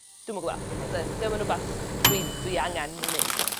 dwi'm yn gwa 'chos yn dim yn wbath dwi dwi angan 'i neu' 'lly.